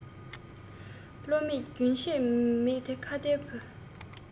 བློ མེད རྒྱུན ཆད མེད དོ ཁྭ ཏའི བུ